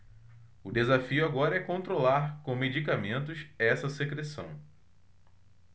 o desafio agora é controlar com medicamentos essa secreção